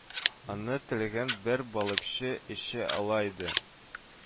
Аны теләгән бер балыкчы эчә ала иде